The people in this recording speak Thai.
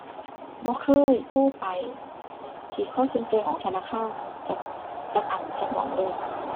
บ่เคยโทรไปที่ call center ของธนาคารจัก จักอัน จักหม้องเลย